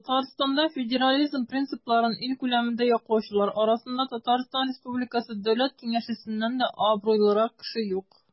Татарстанда федерализм принципларын ил күләмендә яклаучылар арасында ТР Дәүләт Киңәшчесеннән дә абруйлырак кеше юк.